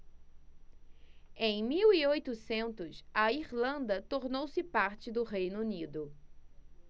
em mil e oitocentos a irlanda tornou-se parte do reino unido